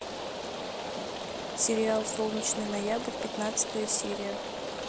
сериал солнечный ноябрь пятнадцатая серия